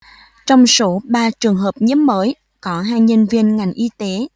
trong số ba trường hợp nhiễm mới có hai nhân viên ngành y tế